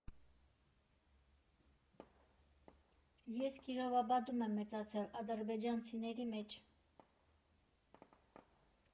«Ես Կիրովաբադում եմ մեծացել, ադրբեջանցիների մեջ։